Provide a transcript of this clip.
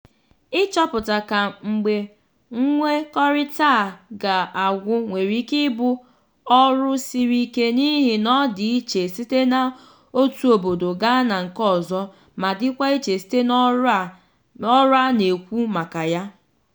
Ịchọpụta ka mgbe nkwekọrịta a ga-agwụ nwere ike ịbụ ọrụ siri ike n'ịhị na ọ dị iche site n'otu obodo gaa na nke ọzọ ma dịkwa iche site n'ọrụ a na-ekwu maka ya.